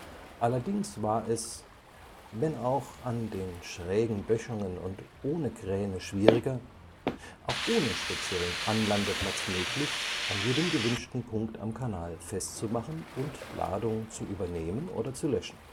Allerdings war es – wenn auch an den schrägen Böschungen und ohne Kräne schwieriger – auch ohne speziellen Anlandeplatz möglich, an jedem gewünschten Punkt am Kanal festzumachen und Ladung zu übernehmen oder zu löschen